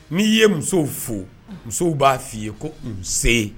N' ye musow fo musow b'a f' ii ye ko nse